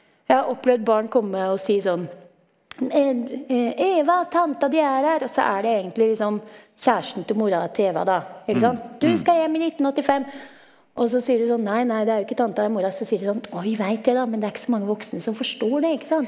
jeg har opplevd barn komme og si sånn Eva, tanta di er her, også er det egentlig liksom kjæresten til mora til Eva da, ikke sant, du skal hjem i nittenåttifem, og så sier de sånn nei nei det er jo ikke tanta, det er mora, så sier de sånn å vi veit det da men det er ikke så mange voksne som forstår det ikke sant.